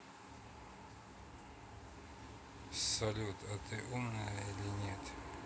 салют а ты умная или нет